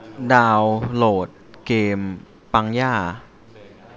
ดาวโหลดเกมปังย่า